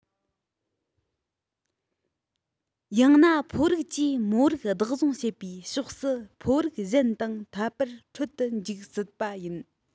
ཡང ན ཕོ རིགས ཀྱིས མོ རིགས བདག བཟུང བྱེད པའི ཕྱོགས སུ ཕོ རིགས གཞན དང འཐབ པར འཕྲོད དུ འཇུག སྲིད པ ཡིན